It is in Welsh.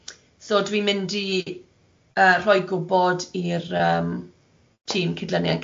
So dwi'n mynd i yy rhoi gwbod i'r yym tîm cydleniant cymunedol